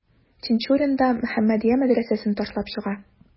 Тинчурин да «Мөхәммәдия» мәдрәсәсен ташлап чыга.